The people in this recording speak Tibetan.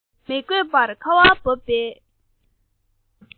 མི དགོས པར ཁ བ འབབ པའི